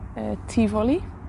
yy Tivoli.